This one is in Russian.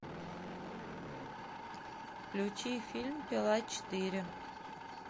включи фильм пила четыре